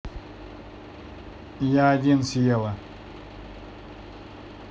я один съела